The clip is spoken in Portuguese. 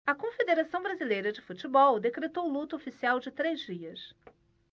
a confederação brasileira de futebol decretou luto oficial de três dias